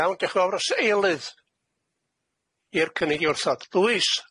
Iawn diolch yn fowr os eilydd i'r cynnig i wrth adbwys